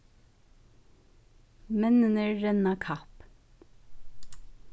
menninir renna kapp